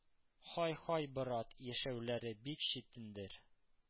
Һай-һай, бырат, яшәүләре бик читендер.